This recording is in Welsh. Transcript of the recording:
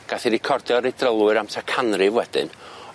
Gath ei recordio reit drylwyr am tua canrif wedyn.